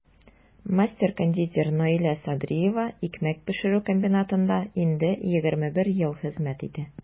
Мастер-кондитер Наилә Садриева икмәк пешерү комбинатында инде 21 ел хезмәт итә.